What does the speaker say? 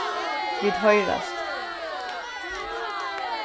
vit hoyrast